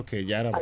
ok jarama